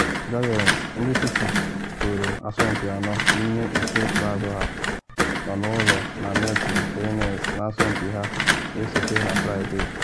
Giants, ndị tufugoro asọmpi anọ n’ime ise ikpeazụ ha, nọ n’ụlọ na Milton Keynes n’asọmpi ha na esote na Fraịde.